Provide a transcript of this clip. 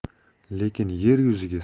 lekin yer yuziga